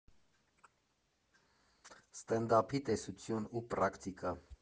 Ստենդափի տեսություն ու պրակտիկա.